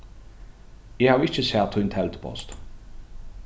eg havi ikki sæð tín teldupost